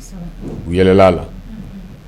U yɛlɛ la